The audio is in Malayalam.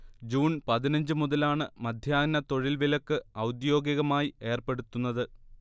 ജൂൺ പതിനഞചു മുതലാണ് മധ്യാഹ്ന തൊഴിൽ വിലക്ക് ഔദ്യോഗികമായി ഏർപ്പെടുത്തുന്നത്